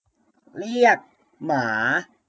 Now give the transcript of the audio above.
เรียกหมา